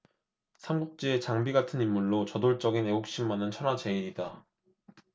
삼국지의 장비 같은 인물로 저돌적인 애국심만은 천하제일이다